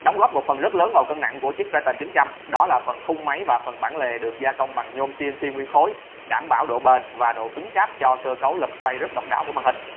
đóng góp phần rất lớn vào cân nặng của triton đó là phần khung máy và bản lề được gia công bằng nhôm cnc nguyên khối đảm bảo độ bền và độ cứng cáp cho cơ cấu lật xoay rất độc đáo của màn hình